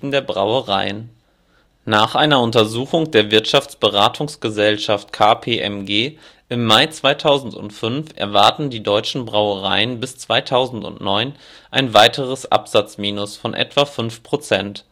der Brauereien. Nach einer Untersuchung der Wirtschaftsberatungsgesellschaft KPMG im Mai 2005 erwarten die deutschen Brauereien bis 2009 ein weiteres Absatzminus von etwa fünf Prozent